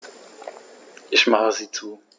Ich mache sie zu.